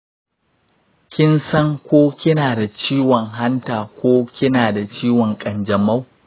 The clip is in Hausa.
kin san ko kina da ciwon hanta ko kina da ciwon ƙanjamau?